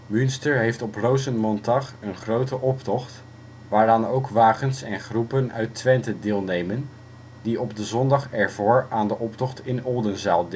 Münster heeft op Rosenmontag een grote optocht, waaraan ook wagens en groepen uit Twente deelnemen die op de zondag ervoor aan de optocht in Oldenzaal